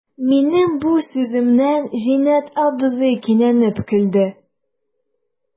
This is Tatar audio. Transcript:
Минем бу сүземнән Зиннәт абзый кинәнеп көлде.